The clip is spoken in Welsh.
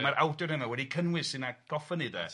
...a mae'r awdur yna wedi cynnwys i natgoffon ni de.